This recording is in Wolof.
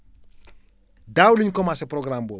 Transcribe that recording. daaw la ñu commencer programme boobu